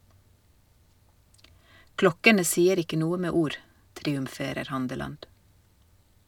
- Klokkene sier ikke noe med ord , triumferer Handeland.